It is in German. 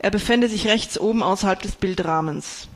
befände sich rechts oben außerhalb des Bildrahmens